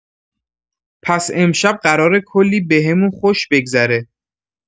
پس امشب قراره کلی بهمون خوش بگذره!